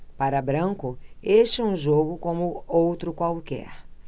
para branco este é um jogo como outro qualquer